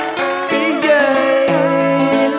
đi về